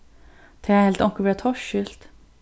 tað helt onkur vera torskilt